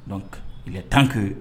Don ka tan kɛ